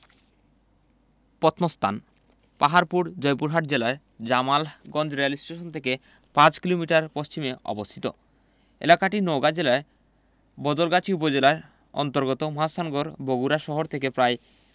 প্রত্নস্থানঃ পাহাড়পুর জয়পুরহাট জেলার জামালগঞ্জ রেলস্টেশন থেকে ৫ কিলোমিটার পশ্চিমে অবস্থিত এলাকাটি নওগাঁ জেলার বদলগাছি উপজেলার অন্তর্গত মহাস্থান বগুড়া শহর থেকে প্রায়